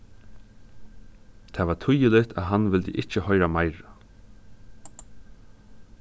tað var týðiligt at hann vildi ikki hoyra meira